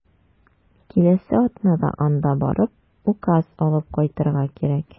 Киләсе атнада анда барып, указ алып кайтырга кирәк.